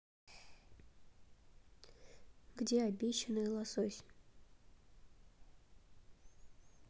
где обещанный лосось